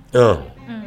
Aa